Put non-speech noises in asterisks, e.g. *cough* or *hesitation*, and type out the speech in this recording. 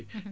*hesitation* *hesitation*